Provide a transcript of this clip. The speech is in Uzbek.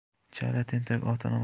chala tentak otini